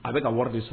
A bɛ ka wari bɛ so